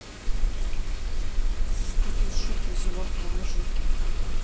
за такие шутки в зубах промежутки